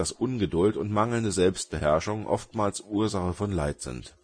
Ungeduld und mangelnde Selbstbeherrschung oftmals Ursache von Leid sind